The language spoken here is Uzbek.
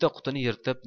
bitta qutini yirtib